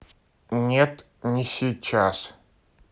нет не сейчас